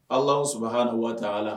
Ala an sabaha ni waati ala